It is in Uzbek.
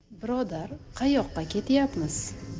birodar qayoqqa ketyapmiz